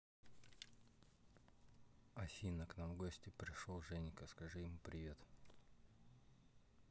афина к нам в гости пришел женька скажи ему привет